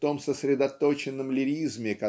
в том сосредоточенном лиризме